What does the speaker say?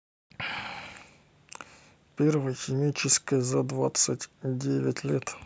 первая химчистка за двадцать девять лет